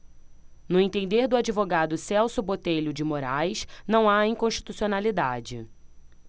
no entender do advogado celso botelho de moraes não há inconstitucionalidade